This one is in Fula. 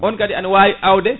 on kada ana wawi awde